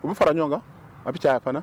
U bɛ fara ɲɔgɔn kan a bɛ caya a fana